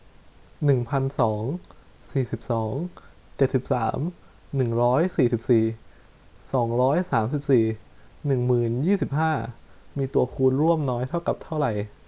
หนึ่งพันสองสี่สิบสองเจ็ดสิบสามหนึ่งร้อยสี่สิบสี่สองร้อยสามสิบสี่หนึ่งหมื่นยี่สิบห้ามีตัวคูณร่วมน้อยเท่ากับเท่าไหร่